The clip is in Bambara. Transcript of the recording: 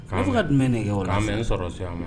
A fo ka tun bɛ nin kɛ mɛ